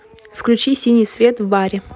включи синий свет в баре